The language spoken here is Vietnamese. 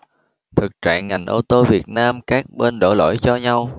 thực trạng ngành ô tô việt nam các bên đổ lỗi cho nhau